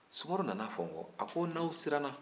sumaworo nana fɔ n kɔ a ko n'aw siranna